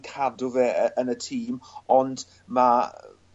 cadw fe yy yn y tîm ond ma' yy